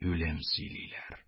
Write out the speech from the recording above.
Үлем сөйлиләр